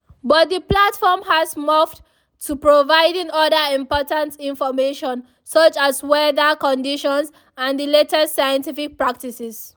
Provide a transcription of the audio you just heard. But the platform has morphed to providing other important information, such as weather conditions and the latest scientific practices.